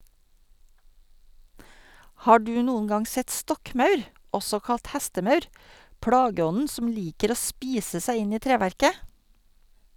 Har du noen gang sett stokkmaur, også kalt hestemaur, plageånden som liker å spise seg inn i treverket?